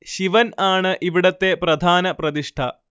ശിവനാണ് ഇവിടത്തെ പ്രധാന പ്രതിഷ്ഠ